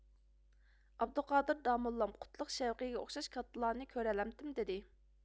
ئابدۇقادىر داموللام قۇتلۇق شەۋقىگە ئوخشاش كاتتىلارنى كۆرەلەمتىم دېدى